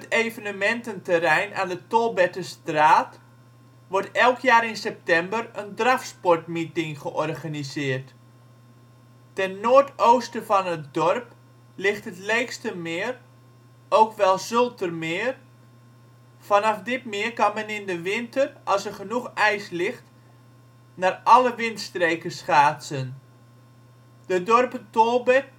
evenemententerrein aan de Tolberterstraat wordt elk jaar in september een drafsportmeeting georganiseerd. Ten noordoosten van het dorp ligt het Leekstermeer (ook wel Zulthemeer). Vanaf dit meer kan men in de winter als er genoeg ijs ligt naar alle windstreken schaatsen. De dorpen Tolbert